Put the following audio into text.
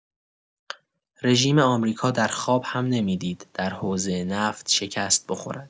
رژیم آمریکا در خواب هم نمی‌دید در حوزه نفت شکست بخورد.